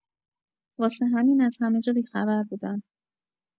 واسه همین از همه جا بی‌خبر بودم.